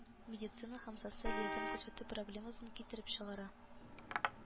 Медицина һәм социаль ярдәм күрсәтү проблемасын китереп чыгара